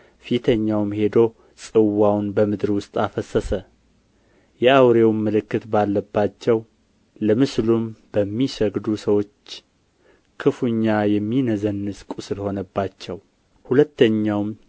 ፊተኛውም ሄዶ ጽዋውን በምድር ውስጥ አፈሰሰ የአውሬውም ምልክት ባለባቸው ለምስሉም በሚሰግዱ ሰዎች ክፉኛ የሚነዘንዝ ቍስል ሆነባቸው ሁለተኛውም